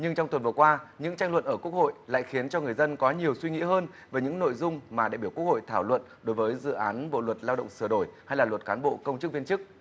nhưng trong tuần vừa qua những tranh luận ở quốc hội lại khiến cho người dân có nhiều suy nghĩ hơn về những nội dung mà đại biểu quốc hội thảo luận đối với dự án bộ luật lao động sửa đổi hay luật cán bộ công chức viên chức